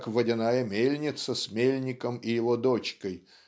как водяная мельница с мельником и его дочкой